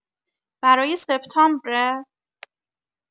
برای سپتامبره؟